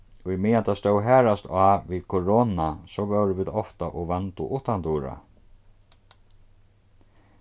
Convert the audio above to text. í meðan tað stóð harðast á við korona so vóru vit ofta og vandu uttandura